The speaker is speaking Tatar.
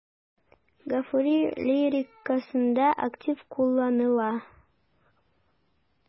Гафури лирикасында актив кулланыла.